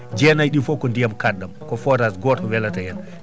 jeenayɗi fof ko ndiyam kaɗɗam ko forage goto welata hen